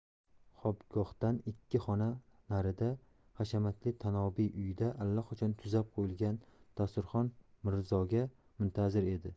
xobgohdan ikki xona narida hashamatli tanobiy uyda allaqachon tuzab qo'yilgan dasturxon mirzoga muntazir edi